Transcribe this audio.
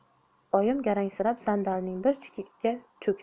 oyim garangsib sandalning bir chetiga cho'kdi